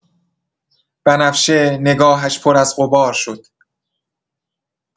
بنفشه نگاهش پر از غبار شد.